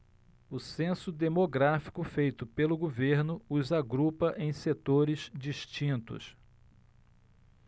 o censo demográfico feito pelo governo os agrupa em setores distintos